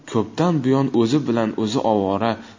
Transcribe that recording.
u ko'pdan buyon o'zi bilan o'zi ovora